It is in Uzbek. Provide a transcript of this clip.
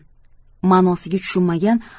ma'nosiga tushunmagan